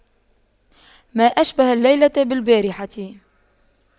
ما أشبه الليلة بالبارحة